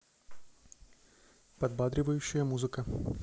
подбадривающая музыка